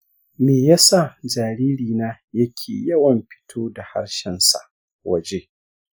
me ya sa jaririna yake yawan fito da harshensa waje?